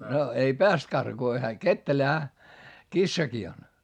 no ei päässyt karkuun kun hän ketterähän kissakin on